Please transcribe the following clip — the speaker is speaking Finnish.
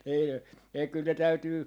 ei ei kyllä ne täytyy